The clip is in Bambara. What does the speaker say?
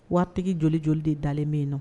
Waatitigi joli joli de dalen min na